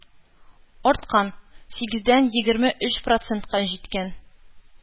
Арткан: сигездән егерме өч процентка җиткән.